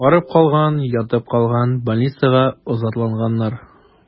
Арып калган, ятып калган, больницага озатылганнар.